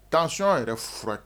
Taasonɔn yɛrɛ furakɛ